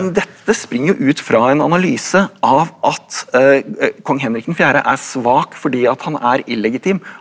men dette springer jo ut fra en analyse av at kong Henrik den fjerde er svak fordi at han er illegitim.